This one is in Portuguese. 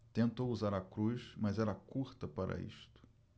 tentou usar a cruz mas era curta para isto